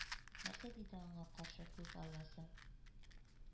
Нәрсә диде аңар каршы күк алласы?